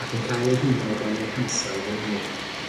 ac yn cael ei huno gan eu hansawdd yn unig.